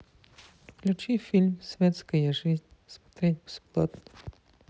включи фильм светская жизнь смотреть бесплатно